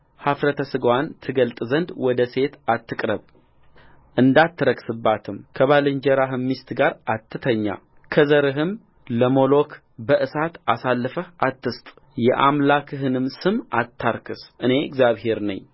ኃፍረተ ሥጋዋን ትገልጥ ዘንድ ወደ ሴት አትቅረብእንዳትረክስባትም ከባልንጀራህ ሚስት ጋር አትተኛከዘርህም ለሞሎክ በእሳት አሳልፈህ አትስጥ የአምላክህንም ስም አታርክስ እኔ እግዚአብሔር ነኝ